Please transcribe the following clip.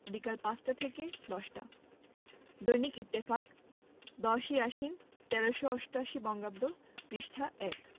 বিকাল ৫ টা থেকে ১০ টা দৈনিক ইত্তেফাক ১০ই আশ্বিন ১৩৮৮ পৃষ্ঠা ১